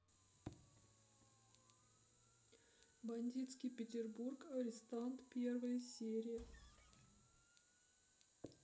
бандитский петербург арестант первая серия